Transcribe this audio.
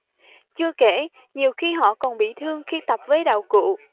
chưa kể nhiều khi họ còn bị thương khi tập với đạo cụ